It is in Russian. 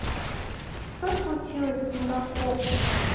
что случилось с мураховским